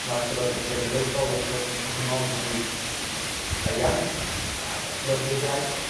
ma'r llyfyrgell genedlaethol wrth gwrs yn cyfnogi y iaith a datblygu'r iaith